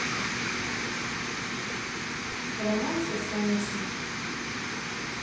роман сосанчин